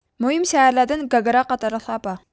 مۇھىم شەھەرلەردىن گاگرا قاتارلىقلار بار